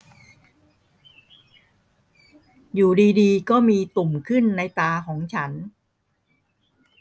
อยู่ดีดีก็มีตุ่มขึ้นในตาของฉัน